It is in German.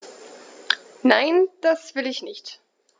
Nein, das will ich nicht.